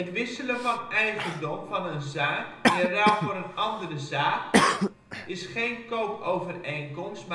wisselen van eigendom van een zaak in ruil voor een andere zaak, is geen koopovereenkomst